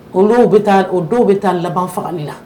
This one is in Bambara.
Olu bɛ taa o dɔw bɛ taa laban fagali la